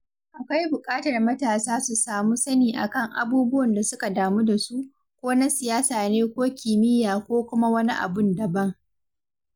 Akwai buƙatar matasa su samu sani a kan abubuwan da suka damu da su, ko na siyasa ne ko kimiyya ko kuma wani abun daban.